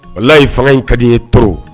Wallahi fanga in ka di ye trop _